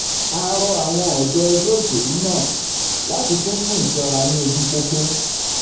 A rọ àwọn ọ̀dọ́ ẹgbẹ́ òṣèlú náà láti kún fún ìṣọ́ra ní ojúu pópó.